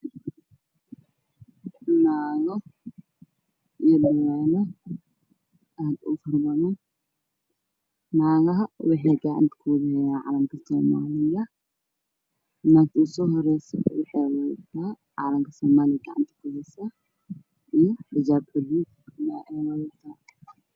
Waa wiilal iyo naago aada u fara badan naagaha waxay gacanta ku wada hayaan calanka soomaaliya naagta usoo horaysa waxay wadataa dirac buluug iyo cadaani isku jira ah